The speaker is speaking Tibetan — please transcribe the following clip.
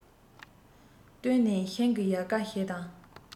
བསྟུན ནས ཤིང གི ཡལ ག ཞིག དང